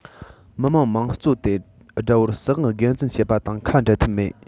མི དམངས དམངས གཙོ དེ དགྲ བོར སྲིད དབང སྒེར འཛིན བྱེད པ དང ཁ འབྲལ ཐབས མེད